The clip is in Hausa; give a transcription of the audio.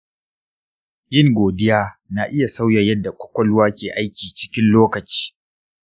yin godiya na iya sauya yadda kwakwalwa ke aiki cikin lokaci.